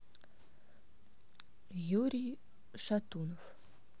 юрий шатунов